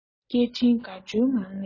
སྐད འཕྲིན དགའ སྤྲོའི ངང ནས